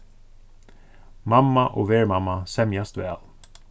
mamma og vermamma semjast væl